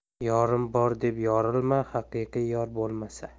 yorim bor deb yorilma haqiqiy yor bo'lmasa